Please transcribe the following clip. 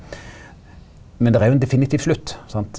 men der er jo ein definitiv slutt sant.